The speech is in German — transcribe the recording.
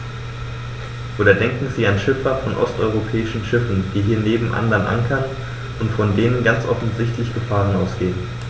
Oder denken Sie an Schiffer von osteuropäischen Schiffen, die hier neben anderen ankern und von denen ganz offensichtlich Gefahren ausgehen.